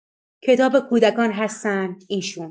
کتاب کودکان هستن ایشون.